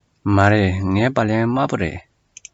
མ རེད ངའི སྦ ལན དམར པོ རེད